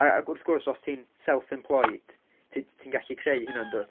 A ac wrth gwrs os ti'n self-employed, ti'n ti'n gallu creu hynna yndwt.